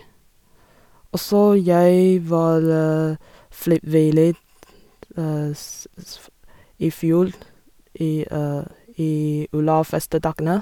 Og så jeg var frivillig s isf i fjor i i Olavsfestdagene.